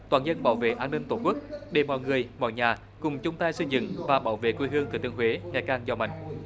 toàn dân bảo vệ an ninh tổ quốc để mọi người mọi nhà cùng chung tay xây dựng và bảo vệ quê hương thừa thiên huế ngày càng giàu mạnh